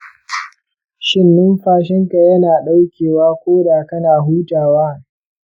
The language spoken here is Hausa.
shin numfashinka yana daukewa koda kana hutawa?